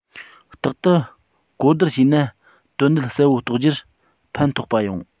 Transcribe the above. རྟག ཏུ གོ བསྡུར བྱས ན དོན གནད གསལ པོ རྟོགས རྒྱུར ཕན ཐོགས པ ཡོང